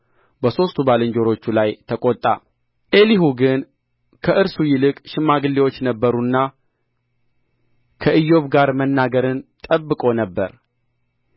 በሦስቱ ባልንጀሮቹ ላይ ተቈጣ ኤሊሁ ግን ከእርሱ ይልቅ ሽማግሌዎች ነበሩና ከኢዮብ ጋር መናገርን ጠብቆ ነበር